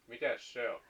mitäs se on